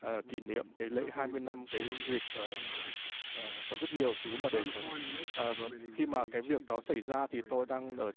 kỉ niệm cái lễ hai mươi năm cái dịp ờ có rất nhiều thứ mà để có thể ờ khi mà cái việc đó xảy ra thì tôi đang ở